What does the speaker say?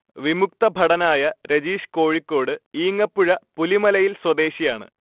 വിമുക്ത ഭടനായ രജീഷ് കോഴിക്കോട് ഈങ്ങപ്പുഴ പുലിമലയിൽ സ്വദേശിയാണ്